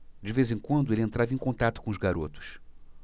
de vez em quando ele entrava em contato com os garotos